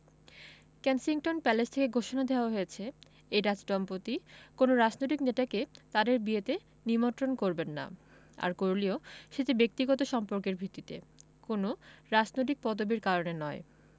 Kensington Palace থেকে ঘোষণা দেওয়া হয়েছে এই রাজদম্পতি কোনো রাজনৈতিক নেতাকে তাঁদের বিয়েতে নিমন্ত্রণ করবেন না আর করলেও সেটি ব্যক্তিগত সম্পর্কের ভিত্তিতে কোনো রাজনৈতিক পদবির কারণে নয়